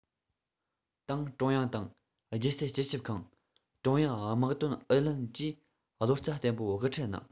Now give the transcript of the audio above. ཏང ཀྲུང དབྱང དང རྒྱལ སྲིད སྤྱི ཁྱབ ཁང ཀྲུང དབྱང དམག དོན ཨུ ལྷན བཅས ཀྱིས བློ རྩ བརྟན པོས དབུ ཁྲིད གནང